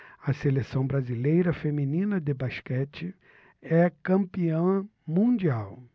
a seleção brasileira feminina de basquete é campeã mundial